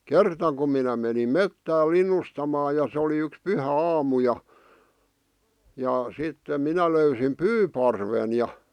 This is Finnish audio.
kerta kun minä menin metsään linnustamaan ja se oli yksi pyhäaamu ja ja sitten minä löysin pyyparven ja